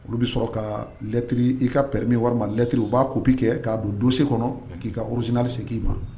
Olu bɛ sɔrɔ kalɛtri i ka premi walima ma lɛtri u b'a kopi kɛ k kaa don donsen kɔnɔ k'i ka wororu zinase k'i ma